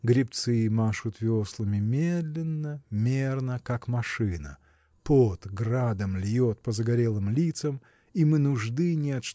Гребцы машут веслами медленно, мерно, как машина. Пот градом льет по загорелым лицам им и нужды нет